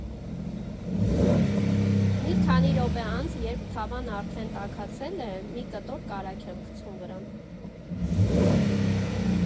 Մի քանի րոպե անց, երբ թավան արդեն տաքացել է, մի կտոր կարագ եմ գցում վրան։